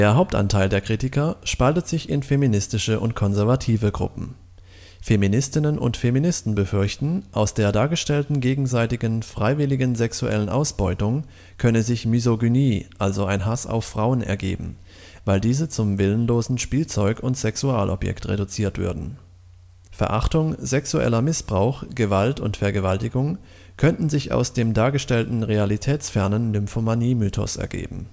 Hauptanteil der Kritiker spaltet sich in feministische und konservative Gruppen. Feministinnen und Feministen befürchten, aus der dargestellten gegenseitigen, freiwilligen sexuellen Ausbeutung könnte sich Misogynie, also ein Hass auf Frauen ergeben, weil diese zum willenlosen Spielzeug und Sexualobjekt reduziert würden. Verachtung, sexueller Missbrauch, Gewalt und Vergewaltigung könnten sich aus dem dargestellten realitätsfernen Nymphomanie-Mythos ergeben